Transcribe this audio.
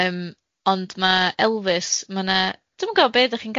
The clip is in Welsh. Yym ond ma' Elfys ma' 'na dwi'm yn gwbo be 'da chi'n